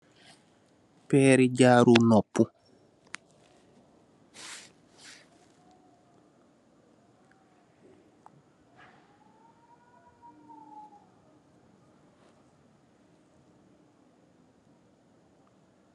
Peri jaaru noopa.